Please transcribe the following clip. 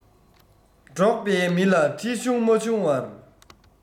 འགྲོགས པའི མི ལ ཁྲེལ གཞུང མ ཆུང བར